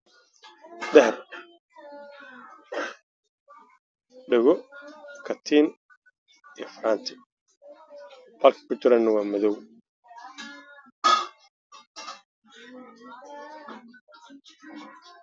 Qol ayaa waxaa ku jiraan dhago faraant iyo katiin qolkii ku jiraan waa madow